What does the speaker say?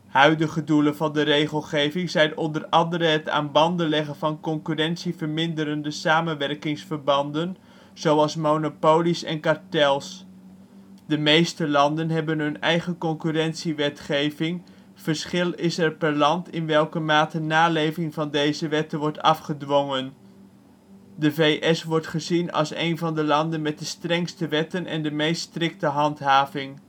Huidige doelen van de regelgeving zijn onder andere het aan banden leggen van concurrentie verminderende samenwerkingsverbanden zoals monopolies en kartels. De meeste landen hebben hun eigen concurrentie wetgeving, verschil is er per land in welke mate naleving van deze wetten wordt afgedwongen. De VS wordt gezien als een van de landen met de strengste wetten en de meest strikte handhaving